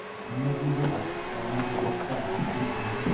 endi bu bir omadi gap da ahadbey inim